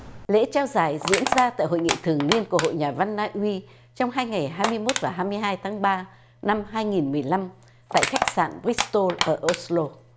lễ trao giải diễn ra tại hội nghị thường niên của hội nhà văn na uy trong hai ngày hai mươi mốt và hai mươi hai tháng ba năm hai nghìn mười lăm tại khách sạn víc tô ở ốt sô